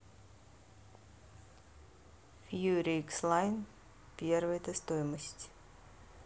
fury x line первая то стоимость